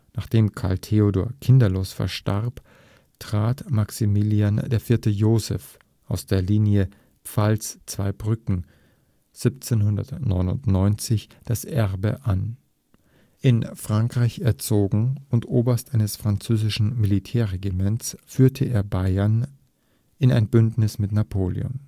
Nachdem Karl Theodor kinderlos verstarb, trat Maximilian IV. Joseph aus der Linie Pfalz-Zweibrücken 1799 das Erbe an. In Frankreich erzogen und Oberst eines französischen Militärregiments, führte er Bayern in ein Bündnis mit Napoleon